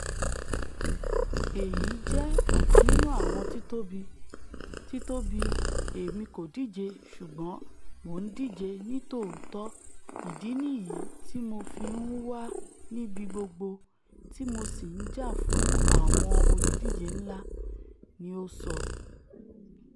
Èyí jẹ́ ọ̀kan nínú àwọn títóbi, títóbi-- Èmi kò díje ṣùgbọ́n Mo ńdíje nítòótọ ìdí nìyí tí Mo fi ńwa níbi gbogbo tí mo sì ńjà fún àwọn olùdíje ńlá,'' ni ó sọ.